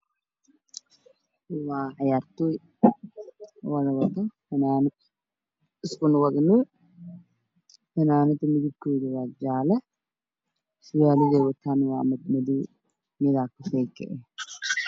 Waa ciyaar tooy wada wato funaanado isku midib ah Iyo buumayaal madow ah